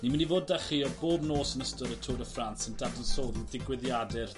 Ni mynd i fod 'dach chi yy bob nos yn ystod y Tour de France yn dadansoddi digwyddiade'r